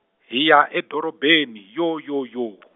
hi ya edorobeni yoo yoo yoo .